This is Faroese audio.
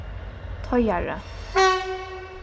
teigari